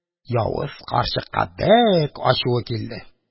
Явыз карчыкка бәк ачуы килде.